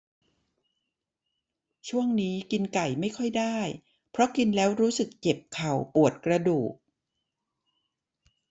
ช่วงนี้กินไก่ไม่ค่อยได้เพราะกินแล้วรู้สึกเจ็บเข่าปวดกระดูก